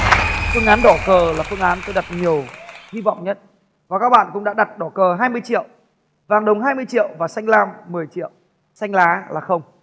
phương án đỏ cờ là phương án tôi đặt nhiều hy vọng nhất và các bạn cũng đã đặt đỏ cờ hai mươi triệu vàng đồng hai mươi triệu và xanh lam mười triệu xanh lá là không